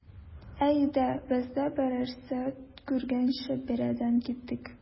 Әйдә, безне берәрсе күргәнче биредән китик.